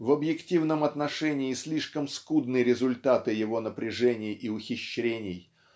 В об'ективном отношении слишком скудны результаты его напряжений и ухищрений